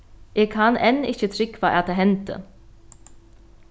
eg kann enn ikki trúgva at tað hendi